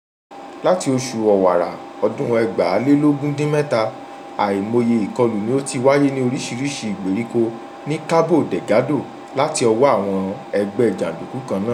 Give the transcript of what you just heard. Láti oṣù Ọ̀wàrà 2017, àìmọye ìkọlù ni ó ti wáyé ní oríṣiríṣìí ìgbèríko ní Cabo Delgado láti ọwọ́ àwọn ẹgbẹ́ jàndùkú kan náà.